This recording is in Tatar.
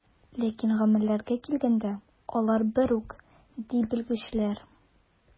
Ләкин гамәлләргә килгәндә, алар бер үк, ди белгечләр.